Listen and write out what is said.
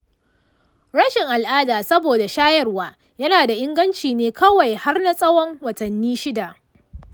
rashin al’ada saboda shayarwa yana da inganci ne kawai har na tsawon watanni shida.